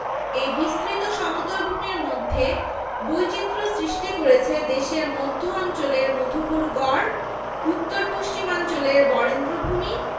এই বিস্তৃত সমতল ভূমির মধ্যে বৈচিত্র্য সৃষ্টি করেছে দেশের মধ্য অঞ্চলের মধুপুর গড় উত্তর পশ্চিমাঞ্চলের বরেন্দ্রভূমি